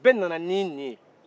bɛɛ nanan ni nin ye